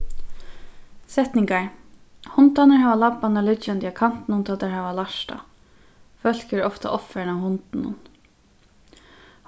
setningar hundarnir hava labbarnar liggjandi á kantinum tá teir hava lært tað fólk eru ofta ovfarin av hundinum